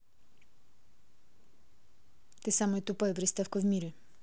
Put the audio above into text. ты самая тупая приставка в мире